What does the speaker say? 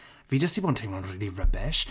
Fi jyst 'di bod yn teimlo'n rili rubbish.